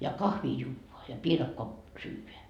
ja kahvia juodaan ja piirakkaa syödään